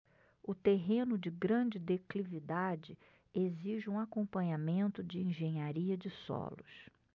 o terreno de grande declividade exige um acompanhamento de engenharia de solos